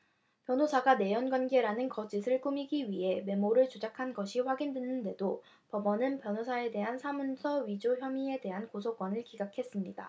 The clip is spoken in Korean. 변호사가 내연관계라는 거짓을 꾸미기 위해 메모를 조작한 것이 확인됐는데도 법원은 변호사에 대한 사문서 위조 혐의에 대한 고소 건을 기각했습니다